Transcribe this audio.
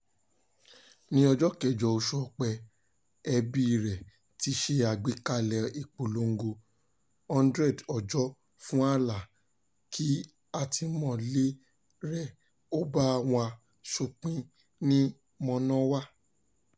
Ní ọjọ́ 8 oṣù Ọ̀pẹ, ẹbíi rẹ̀ ti ṣe àgbékalẹ̀ ìpolongo –"100 ọjọ́ fún Alaa" — kí àtìmọ́lée rẹ̀ ó ba wá s'ópin ní mọnawáà.